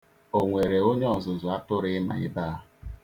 O nwere onye ọzụzụ atụrụ ịma ebe a?